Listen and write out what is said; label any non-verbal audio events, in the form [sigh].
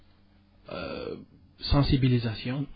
[hesitation] sensibilisation